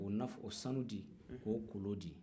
k'o sanu di k'o kolo di